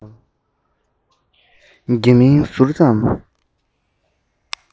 དགེ མིང ཟུར ཙམ